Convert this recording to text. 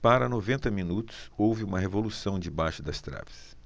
para noventa minutos houve uma revolução debaixo das traves